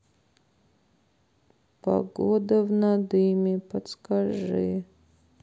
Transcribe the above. погода в надыме подскажи